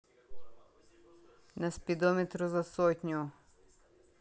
на спидометре за сотню